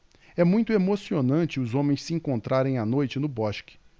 é muito emocionante os homens se encontrarem à noite no bosque